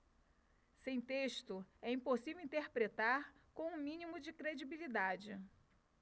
sem texto é impossível interpretar com o mínimo de credibilidade